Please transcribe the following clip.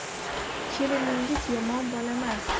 keliningiz yomon bolamas